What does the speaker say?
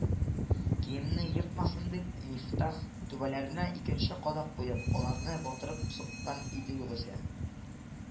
Киемне ертмасын дип, Мифтах, түбәләренә икенче кадак куеп, аларны батырып суккан иде югыйсә